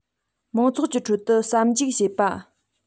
མང ཚོགས ཀྱི ཁྲོད དུ ཟབ འཇུག བྱེད པ